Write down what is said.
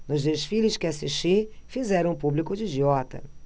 nos desfiles que assisti fizeram o público de idiota